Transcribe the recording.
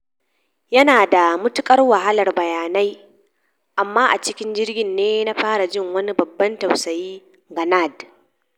Yanada matukar wahalar bayani, amma a cikin jirgin ne na fara jin wani babban tausayi ga Nad.